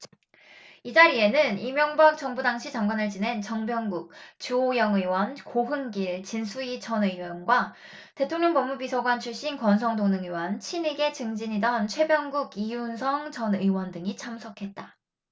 이 자리에는 이명박 정부 당시 장관을 지낸 정병국 주호영 의원 고흥길 진수희 전 의원과 대통령법무비서관 출신 권성동 의원 친이계 중진이던 최병국 이윤성 전 의원 등이 참석했다